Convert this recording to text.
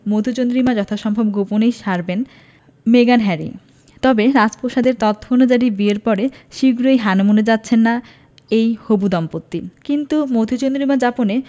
মধুচন্দ্রিমা যথাসম্ভব গোপনেই সারবেন মেগান হ্যারি তবে রাজপ্রাসাদের তথ্য অনুযায়ী বিয়ের পর শিগগিরই হানিমুনে যাচ্ছেন না এই হবু দম্পতি কিন্তু মধুচন্দ্রিমা যাপনে